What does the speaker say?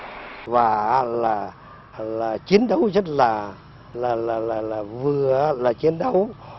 và á là là chiến đấu rất là là là là là vừa á là chiến đấu